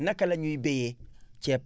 naka la ñuy bayee ceeb